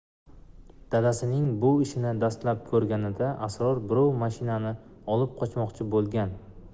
dadasining bu ishini dastlab ko'rganida asror birov mashinani olib qochmoqchi bo'lgan